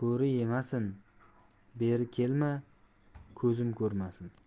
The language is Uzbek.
beri kelma ko'zim ko'rmasin